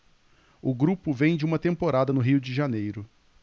o grupo vem de uma temporada no rio de janeiro